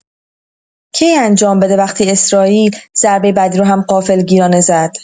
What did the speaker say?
کی انجام بده وقتی اسراییل ضربه بعدی رو هم غافلگیرانه زد؟!